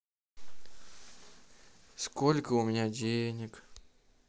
сколько у меня денег